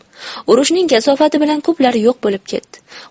urushning kasofati bilan ko'plari yo'q bo'p ketdi